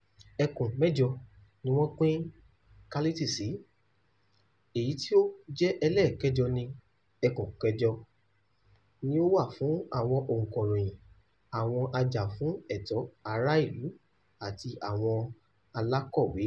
Ẹkùn mẹ́jọ ni wọ́n pín Kality sí, èyí tí ó jẹ́ ẹlẹ́ẹ̀kẹjọ ni - Ẹkùn Kẹjọ - ni ó wà fún àwọn òǹkọ̀ròyìn, àwọn ajá-fún - ẹ̀tọ́ - ara - ìlú àti àwọn alákọ̀wẹ́.